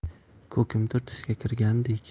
ko'kimtir tusga kirgandek